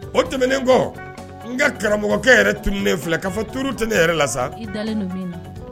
O tɛmɛnen kɔ n ka karamɔgɔkɛ yɛrɛ tun filɛ ka fɔ tununen ne yɛrɛ la sa., i dalen don min na.